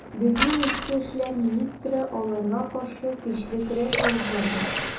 Безнең эчке эшләр министры аларга каршы көчле көрәш алып барды.